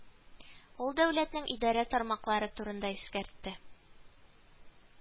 Ул дәүләтнең идарә тармаклары турында искәртте